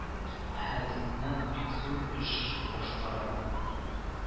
Әһәтеннән бик зур эш башкарган